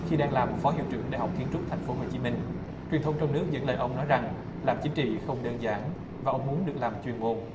khi đang làm phó hiệu trưởng đại học kiến trúc thành phố hồ chí minh truyền thông trong nước dẫn lời ông nói rằng làm chính trị không đơn giản và ông muốn được làm chuyên môn